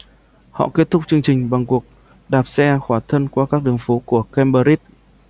họ kết thúc chương trình bằng cuộc đạp xe khỏa thân qua các đường phố của cambridge